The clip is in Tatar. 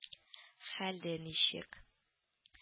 — хәле ничек…